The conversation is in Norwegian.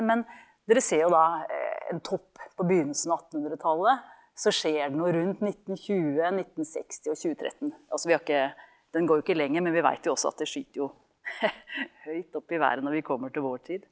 men dere ser jo da en topp på begynnelsen av attenhundretallet så skjer det noe rundt 1920 1960 og tjuetretten, altså vi har ikke den går jo ikke lenger, men vi veit jo også at det skyter jo høyt opp i været når vi kommer til vår tid.